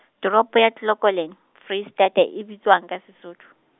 toropo ya Clocolan, Foreisetata e bitswang ka Sesotho?